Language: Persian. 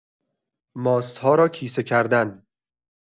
ماست‌ها را کیسه کردن